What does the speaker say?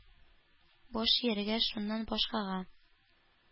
Баш ияргә шуннан башкага!